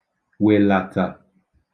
wèlàtà